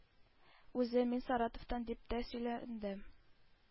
Үзе: “Мин Саратовтан”, – дип тә сөйләнде.